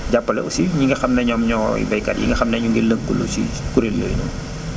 jàppale aussi ñi nga xam ne ñoom ñooy baykat yi nga xam ne ñu ngi lëkkaloo si kuréel yooyu noonu